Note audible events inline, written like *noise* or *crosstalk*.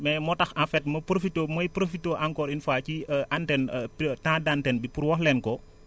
mais moo tax en fait ma profité may profité encore une fois ci *hesitation* antenne *hesitation* temps d' antenne bi pour wax leen ko